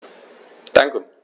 Danke.